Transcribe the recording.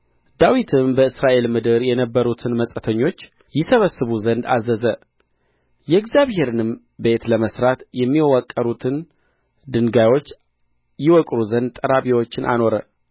ዳዊትም በእስራኤል ምድር የነበሩትን መጻተኞች ይሰበስቡ ዘንድ አዘዘ የእግዚአብሔርንም ቤት ለመሥራት የሚወቀሩትን ድንጋዮች ይወቅሩ ዘንድ ጠራቢዎችን አኖረ